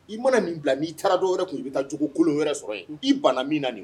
I mana nin bila n'i taara dɔwɛrɛ kun i bɛ taa jogo kolon wɛrɛ sɔrɔ ye i banna min na nin